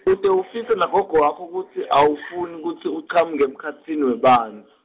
ute ufise nagogo wakho kutsi awufuni kutsi achamuke emkhatsini webantfu.